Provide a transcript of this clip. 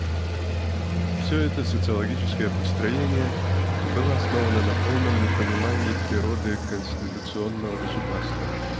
Но все это социологическое построение было основано на полном непонимании природы конституционного государства.